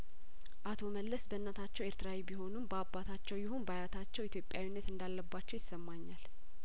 አቶ መለስ በእናታቸው ኤርትራዊ ቢሆኑም በአባታቸው ይሁን በአያታቸው ኢትዮጵያዊነት እንዳለባቸው ይሰማኛል